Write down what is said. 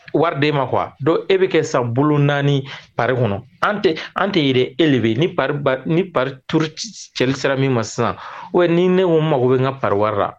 Wari d'e ma quoi donc e be kɛ sisan bolo 4 pari kɔnɔ an tɛ an te ye dɛ ele be ye ni pari ban ni pari tour cs cɛli sera min ma sisan ou bien ni ne ko mago be ŋa pari wari la